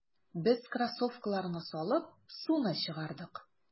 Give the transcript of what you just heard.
Без кроссовкаларны салып, суны чыгардык.